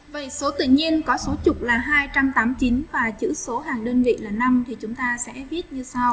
viết số tự nhiên có số chục là và chữ số hàng đơn vị là thì chúng ta sẽ viết như sau